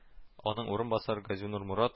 Аның урынбасары газинур морат